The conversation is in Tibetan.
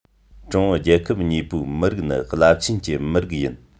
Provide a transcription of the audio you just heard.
ཀྲུང ཨུ རྒྱལ ཁབ གཉིས པོའི མི རིགས ནི རླབས ཆེན གྱི མི རིགས ཡིན